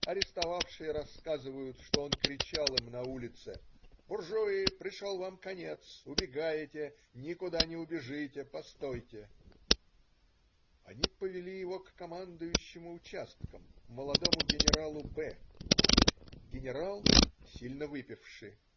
Арестовавшие рассказывают, что он кричал им на улице: "Буржуи, пришел вам конец, убегаете, никуда не убежите, постойте!" Они повели его к командующему участком, молодому генералу Б. Генерал - сильно выпивши.